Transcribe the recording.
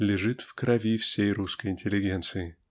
лежит в крови всей русской интеллигенции.